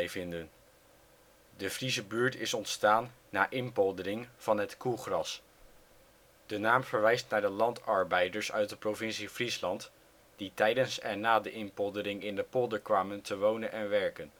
vinden. De Friese buurt is ontstaan na inpoldering van het Koegras. De naam verwijst naar de landarbeiders uit de provincie Friesland die tijdens en na de inpoldering in de polder kwamen te wonen en werken